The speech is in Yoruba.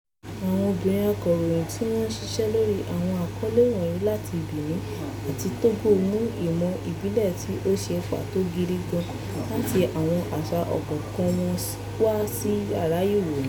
Àwọn obìnrin akọ̀ròyìn tí wọ́n ń ṣiṣẹ́ lórí àwọn àkọlé wọ̀nyìí láti Benin àbí Togo, mú ìmọ̀ ìbílẹ̀ tí ó ṣe pàtó gidi gan láti àwọn àṣà ọ̀kọ̀ọ̀kan wọn wá sí yàrá ìròyìn.